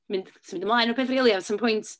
Mynd, symud efo'r peth rili, a does na'm pwynt...